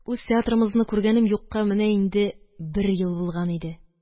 Үз театрымызны күргәнем юкка менә инде бер ел булган иде..